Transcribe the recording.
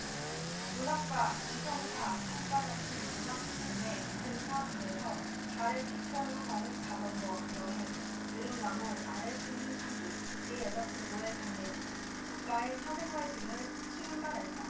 문학과 지성사 작가정신 문학동네 민음사 등에서 달의 뒤편으로 가는 자전거 여행 느릅나무 아래 숨긴 천국 내 여자친구의 장례식 국가의 사생활 등을 출간했다